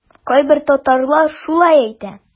Кайбер татарлар шулай әйтә.